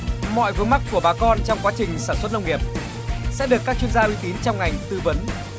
mọi vướng mắc của bà con trong quá trình sản xuất nông nghiệp sẽ được các chuyên gia uy tín trong ngành tư vấn